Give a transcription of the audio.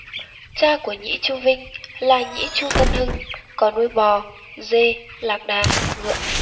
cha của nhĩ chu vinh là nhĩ chu tân hưng có nuôi bò dê lạc đà ngựa